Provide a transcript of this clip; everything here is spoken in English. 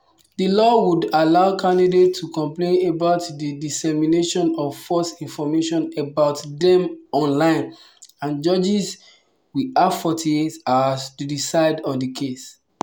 The law would allow candidates to complain about the dissemination of false information about them online and judges will have 48 hours to decide on a case.